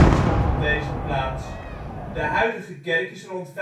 stond op deze plaats. De huidige kerk is rond